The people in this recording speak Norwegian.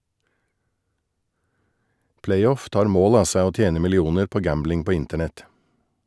Playoff tar mål av seg å tjene millioner på gambling på internett.